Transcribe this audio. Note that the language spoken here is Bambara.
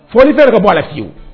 Fɔoni tɛ yɛrɛ ka bɔ a la siwu